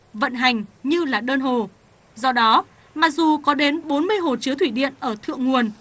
vận hành như là đơn hồ do đó mặc dù có đến bốn mươi hồ chứa thủy điện ở thượng nguồn